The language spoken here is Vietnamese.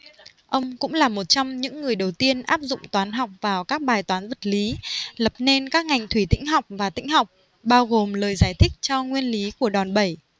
ông cũng là một trong những người đầu tiên áp dụng toán học vào các bài toán vật lý lập nên các ngành thủy tĩnh học và tĩnh học bao gồm lời giải thích cho nguyên lý của đòn bẩy